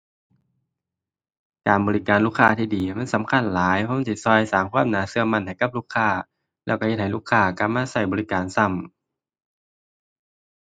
การบริการลูกค้าที่ดีมันสำคัญหลาย เพราะมันสิช่วยสร้างความน่าช่วยมั่นให้กับลูกค้า แล้วช่วยเฮ็ดให้ลูกค้ากลับมาช่วยบริการซ้ำ